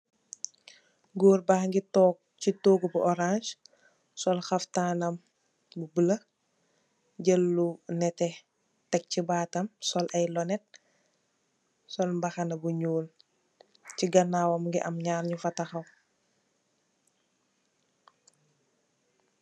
Gorr banyi tog sey togu bu orance sol halftan nam bu buloo jel lu neteh tekk sey baatam sol i loonet sol mbahana bu nyuul sey ganawam Mungi am nyarr nyufa tahaw